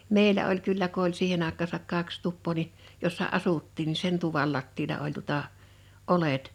meillä oli kyllä kun oli siihen aikaansa kaksi tupaa niin jossa asuttiin niin sen tuvan lattialla oli tuota oljet